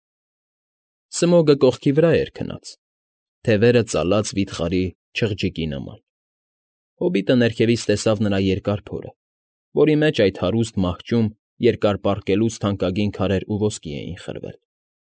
Սմոգը կողքի վրա էր քնած, թևերը ծալած վիթխարի չղջիկի նման. հոբիտը ներքևից տեսավ նրա երկար փորը, որի մեջ այդ հարուստ մահճում երկար պառկելուց թանկագին քարեր ու ոսկի էին խրվել։